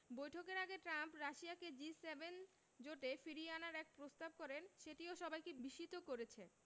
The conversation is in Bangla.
বৈঠকের আগে ট্রাম্প রাশিয়াকে জি ৭ জোটে ফিরিয়ে আনার এক প্রস্তাব করেন সেটিও সবাইকে বিস্মিত করেছে